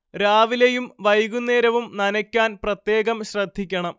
രാവിലെയും വൈകുന്നേരവും നനക്കാൻ പ്രത്യേകം ശ്രദ്ധിക്കണം